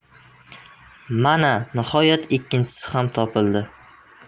mana nihoyat ikkinchisi ham topildi